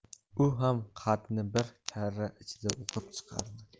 u ham xatni bir karra ichida o'qib chiqardi